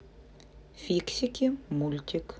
фиксики мультик